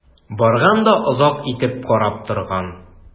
Барган да озак итеп карап торган.